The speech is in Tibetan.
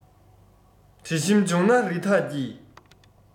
དྲི ཞིམ འབྱུང ན རི དྭགས ཀྱི